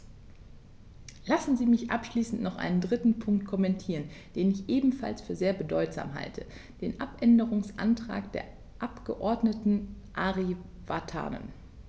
Lassen Sie mich abschließend noch einen dritten Punkt kommentieren, den ich ebenfalls für sehr bedeutsam halte: den Abänderungsantrag des Abgeordneten Ari Vatanen.